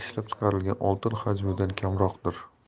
ishlab chiqarilgan oltin hajmidan kamroqdir